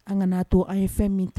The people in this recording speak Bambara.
An kana n'a to an ye fɛn min ta